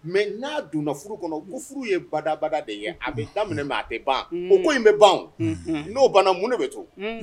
Mais n'a donna furu kɔnɔ ko furu ye badabada de ye a be daminɛ unhun mais a te ban uuun o ko in be ban wa unhun n'o banna mun de be to uuuun